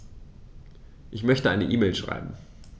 Ich möchte eine E-Mail schreiben.